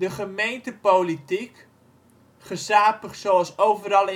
gemeentepolitiek, gezapig zoals overal